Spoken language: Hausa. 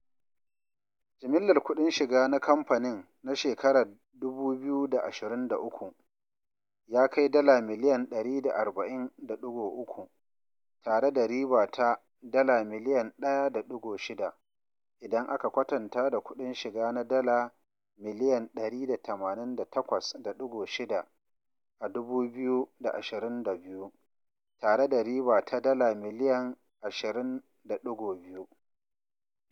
Jimillar kuɗin shiga na kamfanin na shekarar 2023 ya kai dala 140.3 miliyan, tare da riba ta USD 1.6 miliyan, idan aka kwatanta da kuɗin shiga na dala 188.9 miliyan a 2022, tare da riba ta dala 20.2 miliyan.